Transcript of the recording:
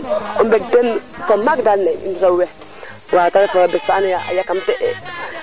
ok jege probleme o ndet ngan caq ne mosa lool lol de mais xa timaxe k ref ka o jika wala ko geeka xa timaxe koy kam gekan